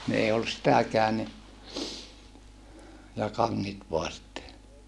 niin ei ollut sitäkään niin ja kanget vain sitten